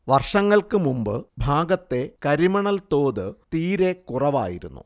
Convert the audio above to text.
വർഷങ്ങൾക്കുമുമ്പ് ഭാഗത്തെ കരിമണൽ തോത് തീരെ കുറവായിരുന്നു